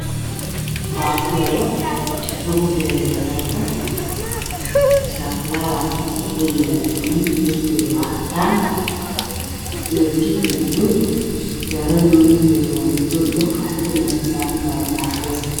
Afeerada lagu faareeyo dharka oo midabkeedu yahay madow waxaa ka dambeeyo shatiyaal laalaaban oo midabkoodu yahay caddaan